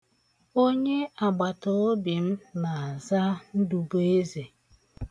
Onye agbatoobi m na-aza Ndụbụeze.